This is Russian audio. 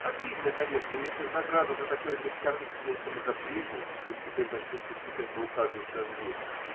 Обидно, конечно, если в награду за такое бескорыстное самозабвение им теперь начнут постепенно указывать на дверь.